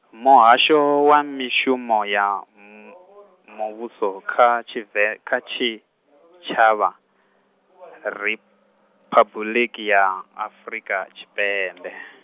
Muhasho wa Mishumo ya m- Muvhuso kha tshive kha Tshitshavha Riphabuḽiki ya Afrika Tshipembe.